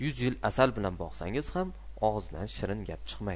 yuz yil asal bilan boqsangiz ham og'zidan shirin gap chiqmaydi